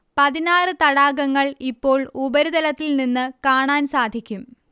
പതിനാറ് തടാകങ്ങൾ ഇപ്പോൾ ഉപരിതലത്തിൽ നിന്ന് കാണാൻ സാധിക്കും